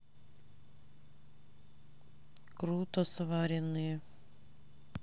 круто сваренные